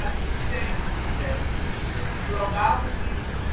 containers betreft. Globaal gezien is het